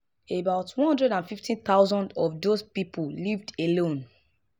About 150 thousand of those people lived alone.